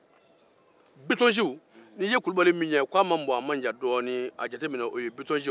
n'i ye kulubali min ye k'a man bon a ma jan o ye bitɔnsi ye